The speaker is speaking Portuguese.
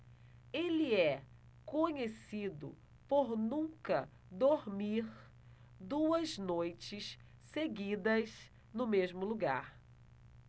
ele é conhecido por nunca dormir duas noites seguidas no mesmo lugar